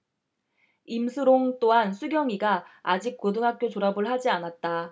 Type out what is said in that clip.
임슬옹 또한 수경이가 아직 고등학교 졸업을 하지 않았다